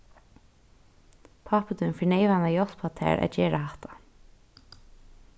pápi tín fer neyvan at hjálpa tær at gera hatta